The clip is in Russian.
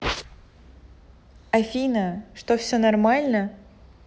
афина что все нормально